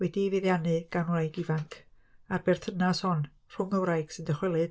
Wedi ei feddiannu gan wraig ifanc a'r berthynas hon rhwng y wraig sy'n dychwelyd